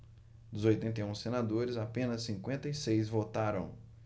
dos oitenta e um senadores apenas cinquenta e seis votaram